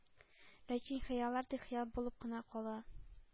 Ләкин хыяллар тик хыял булып кына кала.